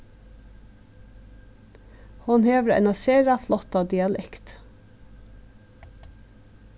hon hevur eina sera flotta dialekt